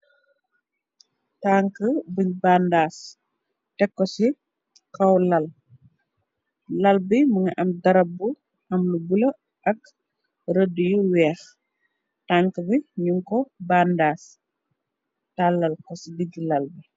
tank buñ bàndaas teko ci kaw lal lal bi mu nga am darabbu am lu bula ak rëd yu weex tank bi ñu ko bàndaas tàllal ko ci diggi lal bi